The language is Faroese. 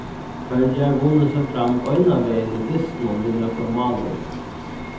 føroyar vunnu seg fram beinanvegin í dystinum við nøkrum málum